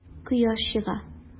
Кояш чыга.